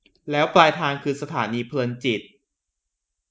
แล้วปลายทางคือสถานีเพลินจิต